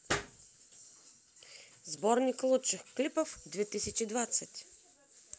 сборник лучших клипов две тысячи двадцать